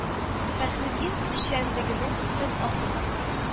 Фәхреддин эшчәнлегенең төп асылы